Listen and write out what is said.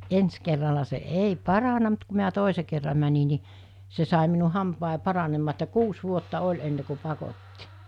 ensi kerralla se ei parantunut mutta kun minä toisen kerran menin niin se sai minun hampaani paranemaan että kuusi vuotta oli ennen kuin pakotti